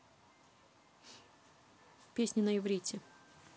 песни на иврите